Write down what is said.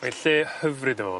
Mae lle hyfryd yma...